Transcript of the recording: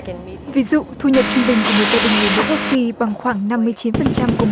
ví dụ thu nhập trung bình của một gia đình người mỹ gốc phi bằng khoảng năm mươi chín phần trăm của